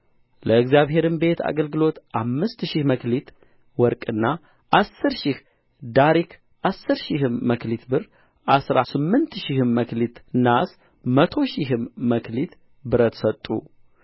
ለእግዚአብሔርም ቤት አገልግሎት አምስት ሺህ መክሊት ወርቅና አሥር ሺህ ዳሪክ አሥር ሺህም መክሊት ብር አሥራ ስምንት ሺህም መክሊት ናስ መቶ ሺህም መክሊት ብረት ሰጡ